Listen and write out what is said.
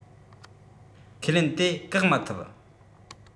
ཁས ལེན དེ བཀག མི ཐུབ